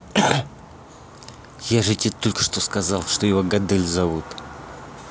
я же тебе только что сказал что его гадель зовут